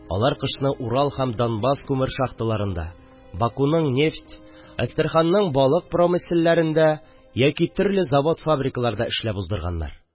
Алар кышны Урал һәм Донбасс күмер шахталарында, Бакуның нефт, Әстерханның балык промыселларында яки төрле завод-фабрикаларда эшләп уздырганнар